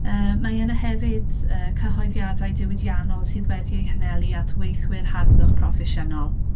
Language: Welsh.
Yy, mae yna hefyd, yy, cyhoeddiadau diwydiannol sydd wedi eu hanelu at weithwyr harddwch proffesiynol.